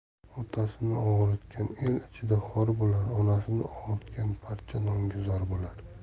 otasini og'ritgan el ichida xor bo'lar onasini og'ritgan parcha nonga zor bo'lar